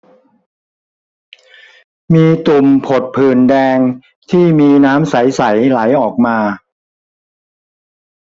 มีตุ่มผดผื่นแดงที่มีน้ำใสใสไหลออกมา